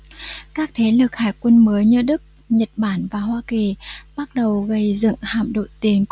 các thế lực hải quân mới như đức nhật bản và hoa kỳ bắt đầu gầy dựng hạm đội tiền